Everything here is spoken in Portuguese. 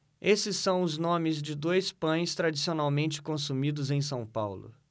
esses são os nomes de dois pães tradicionalmente consumidos em são paulo